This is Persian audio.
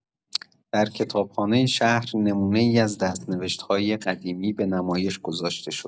در کتابخانه شهر، نمونه‌ای از دست‌نوشته‌های قدیمی به نمایش گذاشته شد.